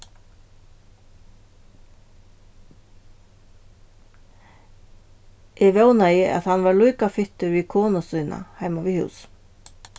eg vónaði at hann var líka fittur við konu sína heima við hús